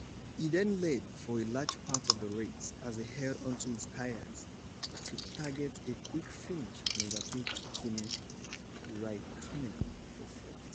He then led for a large part of the race as he held onto his tires to target a quick finish and overtake Kimi Raikkonen for fourth.